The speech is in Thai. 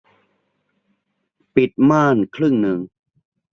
ปิดม่านครึ่งนึง